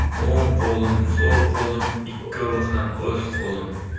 o'ng qo'lim so'l qo'lim ikkovi ham o'z qo'lim